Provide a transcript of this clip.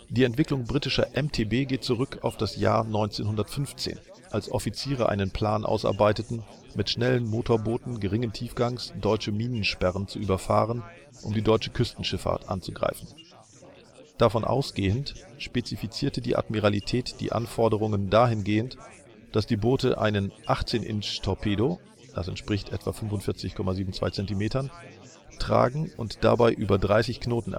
Die Entwicklung britischer MTB geht zurück auf das Jahr 1915, als Offiziere einen Plan ausarbeiteten, mit schnellen Motorbooten geringen Tiefgangs deutsche Minensperren zu überfahren, um die deutsche Küstenschifffahrt anzugreifen. Davon ausgehend spezifizierte die Admiralität die Anforderungen dahin gehend, dass die Boote einen 18-Inch Torpedo (≈45,72 cm) tragen und dabei über 30 Knoten